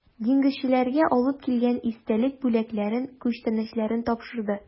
Диңгезчеләргә алып килгән истәлек бүләкләрен, күчтәнәчләрне тапшырды.